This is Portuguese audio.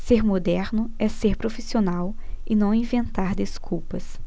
ser moderno é ser profissional e não inventar desculpas